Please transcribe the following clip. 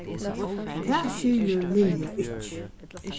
tað skilur lilja ikki